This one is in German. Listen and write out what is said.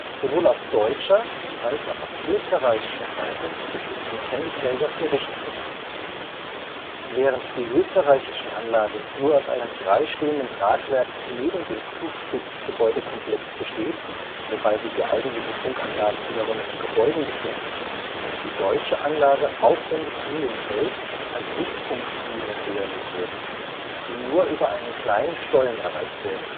Sowohl auf deutscher (DTAG) als auch auf österreichischer Seite (A1TA) gibt es Antennenträger für Richtfunk. Während die österreichische Anlage nur aus einem freistehenden Tragwerk neben Zugspitz-Gebäudekomplexes besteht, wobei sich die eigentlichen Funkanlagen wiederum in den Gebäuden befinden, ist die deutsche Anlage aufwendig in den Fels, als Richtfunkbühne realisiert (im Bild im Vordergrund deutlich erkennbar), die nur über einen kleinen Stollen erreicht werden